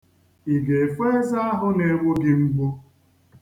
I ga-efo eze ahụ na-egbu gị mgbu?